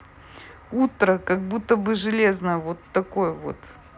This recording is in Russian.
утра как будто бы железная вот такой вот